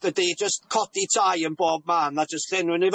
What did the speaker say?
dydi jyst codi tai yn bob man a jyst llenwi n'w i